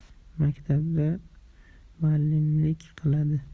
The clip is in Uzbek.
maktabda malimlik qiladi